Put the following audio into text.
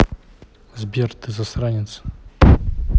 сбер ты засранец